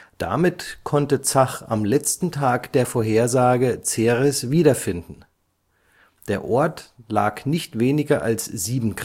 Damit konnte Zach am letzten Tag der Vorhersage Ceres wiederfinden. Der Ort lag nicht weniger als 7°